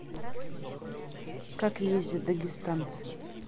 как ездят дагестанцы